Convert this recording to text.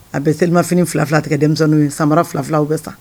A bɛ selimaf fila fila tigɛ denmisɛnnin samara fila filaw bɛ san